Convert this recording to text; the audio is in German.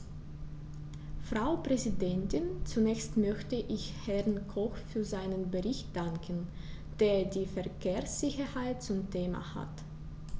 Frau Präsidentin, zunächst möchte ich Herrn Koch für seinen Bericht danken, der die Verkehrssicherheit zum Thema hat.